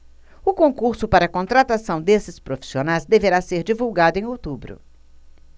o concurso para contratação desses profissionais deverá ser divulgado em outubro